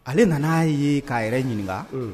Ale nana a ye k'a yɛrɛ ɲininka